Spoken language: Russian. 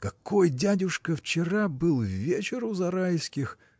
– Какой, дядюшка, вчера был вечер у Зарайских!